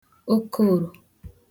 okoòro